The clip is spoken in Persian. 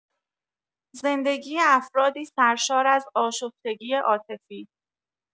زندگی افرادی سرشار از آشفتگی عاطفی